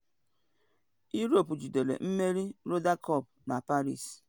Europe jidere mmeri Ryder Cup na Paris